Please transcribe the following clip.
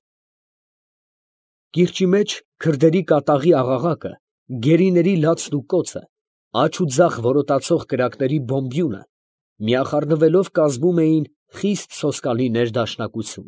Կիրճի մեջ քրդերի կատաղի աղաղակը, գերիների լացն ու կոծը, աջ և ձախ որոտացող կրակների բոմբյունը, միախառնվելով, կազմում էին խիստ սոսկալի ներդաշնակություն։